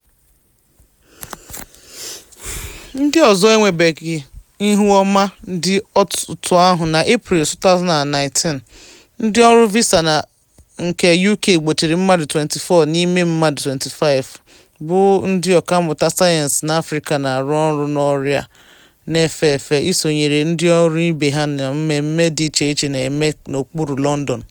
Ndị ọzọ enwebeghị ihu ọma dị otú ahụ. Na Eprel 2019, ndị ọrụ visa nke UK gbochiri mmadụ 24 n'ime mmadụ 25 bụ ndị ọkàmmụta sayensị n' Afrịka na-arụ ọrụ n'ọrịa na-efe efe isonyere ndịọrụ ibe ha na mmemme dị icheiche na-eme n'okpuru London School of Economics Africa Summit.